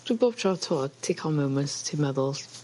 dwi'n bob tro t'wo' ti ca'l moments ti'n meddwl